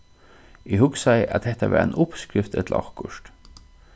eg hugsaði at hetta var ein uppskrift ella okkurt